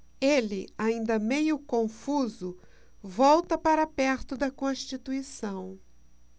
ele ainda meio confuso volta para perto de constituição